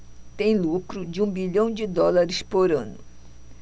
tem lucro de um bilhão de dólares por ano